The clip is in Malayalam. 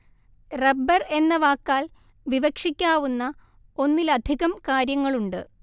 റബ്ബർ എന്ന വാക്കാൽ വിവക്ഷിക്കാവുന്ന ഒന്നിലധികം കാര്യങ്ങളുണ്ട്